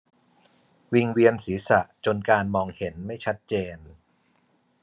วิงเวียนศีรษะจนการมองเห็นไม่ชัดเจน